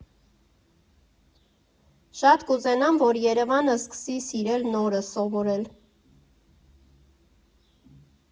Շատ կուզենամ, որ Երևանը սկսի սիրել նորը սովորել։